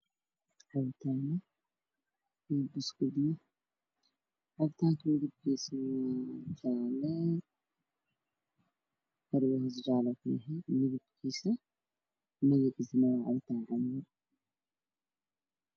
Nin ku fadhiya kursi waxaa ajaalo cabitaan midabkiisu waa jaalo ninka waxaa ka dambeeyo ri lalisayo